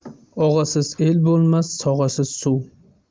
og'asiz el bo'lmas sog'asiz suv